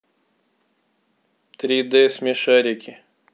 три дэ смешарики